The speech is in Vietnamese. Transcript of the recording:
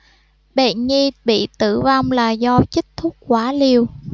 bệnh nhi bị tử vong là do chích thuốc quá liều